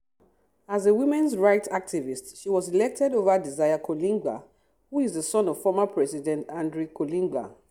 As a women’s rights activist, she was elected over Désiré Kolingba, who is the son of former president, André Kolingba.